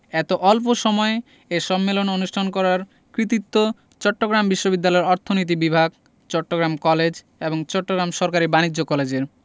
এত অল্প সময়ে সম্মেলন অনুষ্ঠান করার কৃতিত্ব চট্টগ্রাম বিশ্ববিদ্যালয়ের অর্থনীতি বিভাগ চট্টগ্রাম কলেজ এবং চট্টগ্রাম সরকারি বাণিজ্য কলেজের